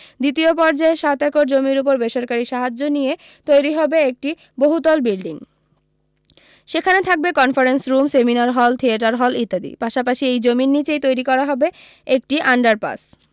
দ্বিতীয় পর্যায়ে সাত একর জমির ওপর বেসরকারি সাহায্য নিয়ে তৈরী হবে একটি বহুতল বিল্ডিং সেখানে থাকবে conference room seminar hall theatre hall ইত্যাদি পাশাপাশি এই জমির নীচেই তৈরী করা হবে একটি আন্ডারপাস